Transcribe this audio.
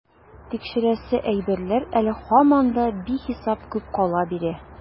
Тикшерәсе әйберләр әле һаман да бихисап күп кала бирә.